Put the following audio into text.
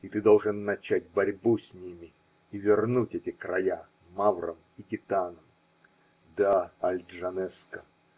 И ты должен начать борьбу с ними и вернуть эти края маврам и гитанам. "Да, Аль-Джанеско!